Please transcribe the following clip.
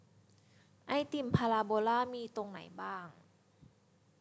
ไอติมพาราโบลามีตรงไหนบ้าง